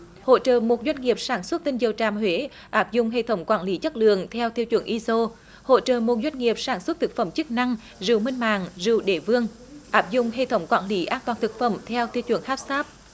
hỗ trợ một doanh nghiệp sản xuất tinh dầu tràm huế áp dụng hệ thống quản lý chất lượng theo tiêu chuẩn i sô hỗ trợ một doanh nghiệp sản xuất thực phẩm chức năng rượu minh mạng rượu đế vương áp dụng hệ thống quản lý an toàn thực phẩm theo tiêu chuẩn háp sáp